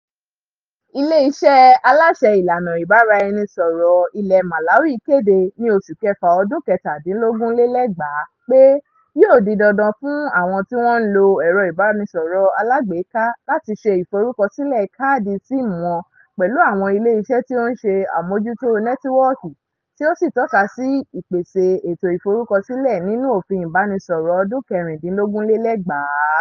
Ilé iṣẹ́ Aláṣẹ ìlànà ìbáraẹnisọ̀rọ̀ ilẹ̀ Malawi kéde ní oṣù kẹfà ọdún 2017 pé yóò di dandan fún àwọn tí wọ́n ń lo ẹ̀rọ Ìbánisọrọ̀ alágbèéká láti ṣe ìforúkọsílẹ̀ káàdì SIM wọn pẹ̀lú àwọn ilé iṣẹ́ tí ó ń ṣe àmójútó nẹ́tíwọ́ọ̀kì, tí ó sì tọ́ka sí ìpèsè ètò ìforúkọsílẹ̀ nínú òfin Ìbánisọrọ̀ ọdún 2016.